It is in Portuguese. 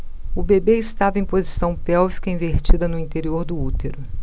o bebê estava em posição pélvica invertida no interior do útero